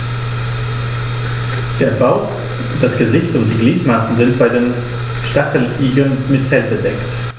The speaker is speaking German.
Der Bauch, das Gesicht und die Gliedmaßen sind bei den Stacheligeln mit Fell bedeckt.